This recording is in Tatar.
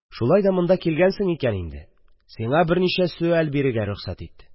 Шулай да монда килгәнсең икән инде, сиңа берничә сөаль бирергә рөхсәт ит...